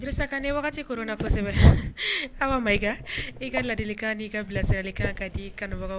Disa ni wagati kona kosɛbɛ aw ma i i ka ladi kan n' i ka bilasirali kan ka d di i kanubaga